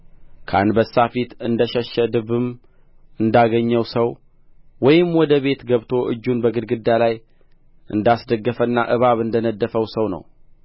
ከአንበሳ ፊት እንደ ሸሸ ድብም እንዳገኘው ሰው ወይም ወደ ቤት ገብቶ እጁን በግድግዳ ላይ እንዳስደገፈና እባብ እንደ ነደፈው ሰው ነው